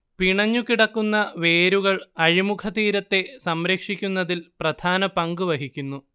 പിണഞ്ഞുകിടക്കുന്ന വേരുകൾ അഴിമുഖ തീരത്തെ സംരക്ഷിക്കുന്നതിൽ പ്രധാനപങ്ക് വഹിക്കുന്നു